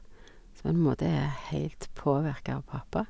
Som på en måte er heilt påvirka av pappa.